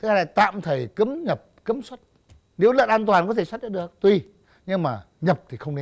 thứ hai là tạm thời cấm nhập cấm xuất nếu lợn an toàn có thể xuất ra được tùy nhưng mà nhập thì không